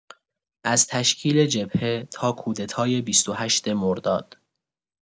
از تشکیل جبهه تا کودتای ۲۸ مرداد